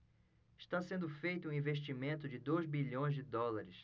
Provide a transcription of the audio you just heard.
está sendo feito um investimento de dois bilhões de dólares